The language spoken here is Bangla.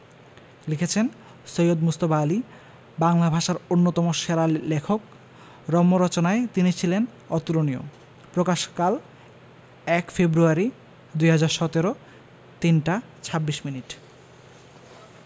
লিখেছেন সৈয়দ মুজতবা আলী বাংলা ভাষার অন্যতম সেরা লেখক রম্য রচনায় তিনি ছিলেন অতুলনীয় প্রকাশকালঃ ০১ ফেব্রুয়ারী ২০১৭ ৩টা ২৬ মিনিট